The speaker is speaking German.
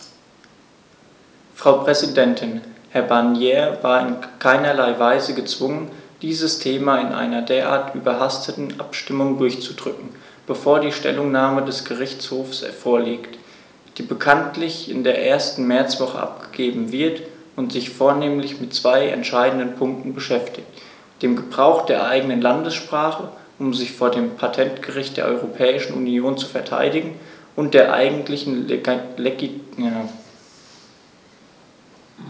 Frau Präsidentin, Herr Barnier war in keinerlei Weise gezwungen, dieses Thema in einer derart überhasteten Abstimmung durchzudrücken, bevor die Stellungnahme des Gerichtshofs vorliegt, die bekanntlich in der ersten Märzwoche abgegeben wird und sich vornehmlich mit zwei entscheidenden Punkten beschäftigt: dem Gebrauch der eigenen Landessprache, um sich vor dem Patentgericht der Europäischen Union zu verteidigen, und der eigentlichen Legitimität der Schaffung eines Patentgerichts.